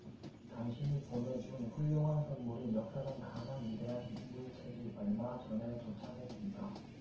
당신이 보내 준 훌륭한 선물인 역사상 가장 위대한 인물 책이 얼마 전에 도착했습니다